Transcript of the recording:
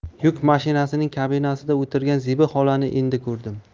yuk mashinasining kabinasida o'tirgan zebi xolani endi ko'rdim